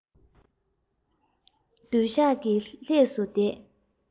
སྡོད ཤག གི ལྷས སུ བསྡད